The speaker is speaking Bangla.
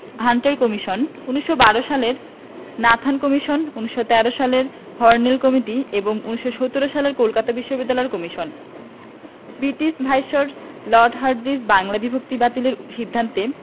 হান্টার কমিশন ১৯১২ সালের নাথান কমিশন ১৯১৩ সালের হর্নেল কমিটি এবং ১৯১৭ সালের কলকাতা বিশ্ববিদ্যালয় commission British viceroy Lord Hardinge Bangla বিভক্তি বাতিলের সিদ্ধান্তে